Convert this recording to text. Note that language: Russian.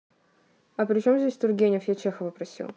а причем здесь тургенев я чехова просил